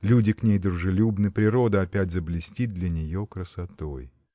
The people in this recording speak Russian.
Люди к ней дружелюбны, природа опять заблестит для нее красотой.